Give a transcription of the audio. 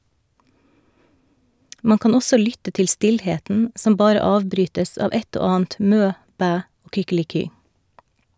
Man kan også lytte til stillheten, som bare avbrytes av ett og annet mø, bæ og kykeliky.